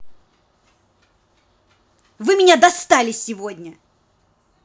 вы меня достали сегодня